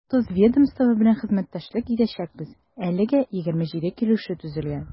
130 ведомство белән хезмәттәшлек итәчәкбез, әлегә 27 килешү төзелгән.